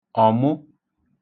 ọ̀mụ